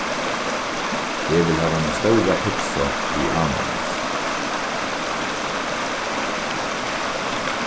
eg vil hava eina stóra pitsu við ananas